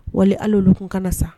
Wale hali olu tun kana sa !